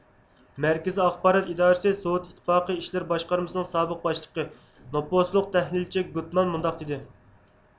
مەركىزى ئاخبارات ئىدارىسى سوۋېت ئىتتىپاقى ئىشلىرى باشقارمىسىنىڭ سابىق باشلىقى نوپۇزلۇق تەھلىلچى گۇدمان مۇنداق دېدى